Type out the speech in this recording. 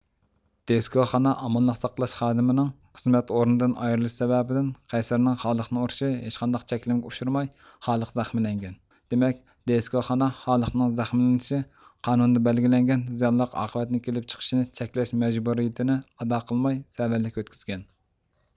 دېسكوخانا ئامانلىق ساقلاش خادىمىنىڭ خىزمەت ئورنىدىن ئايرىلىشى سەۋەبىدىن قەيسەرنىڭ خالىقنى ئۇرۇشى ھېچقانداق چەكلىمىگە ئۇچرىماي خالىق زەخمىلەنگەن دىمەك دېسكوخانا خالىقنىڭ زەخمىلىنىشى قانۇندا بەلگىلەنگەن زىيانلىق ئاقىۋەتنىڭ كىلىپ چىقىشىنى چەكلەش مەجبۇرىيتىنى ئادا قىلماي سەۋەنلىك ئۆتكۈزگەن